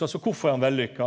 altså kvifor er han vellukka?